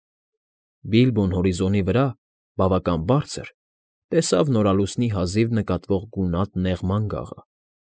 Բիլբոն հորիզոնի վրա, բավական բարձր, տեսավ նորալուսնի հազիվ նկատելի գունատ նեղ մանգաղը։